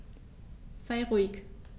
Sei ruhig.